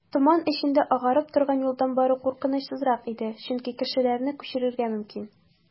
Томан эчендә агарып торган юлдан бару куркынычсызрак иде, чөнки кешеләрне күрергә мөмкин.